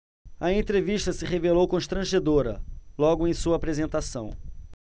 a entrevista se revelou constrangedora logo em sua apresentação